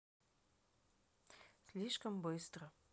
слишком быстро